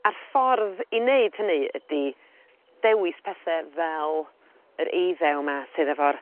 a'r ffordd i neud hynny ydi dewis pethe fel yr eiddew 'ma sydd efo'r